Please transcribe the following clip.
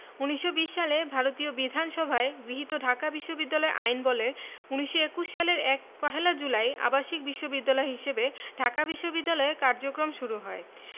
১৯২০ সালে ভারতীয় বিধানসভায় গৃহীত ঢাকা বিশ্ববিদ্যালয় আইনবলে ১৯২১ সালের ১ পহেলা জুলাই আবাসিক বিশ্ববিদ্যালয় হিসেবে ঢাকা বিশ্ববিদ্যালয়ের কার্যক্রম শুরু হয়